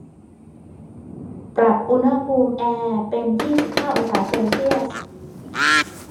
ปรับอุณหภูมิแอร์เป็นยี่สิบห้าองศาเซลเซียส